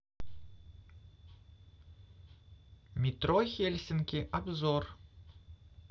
метро хельсинки обзор